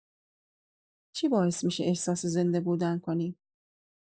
چی باعث می‌شه احساس زنده‌بودن کنی؟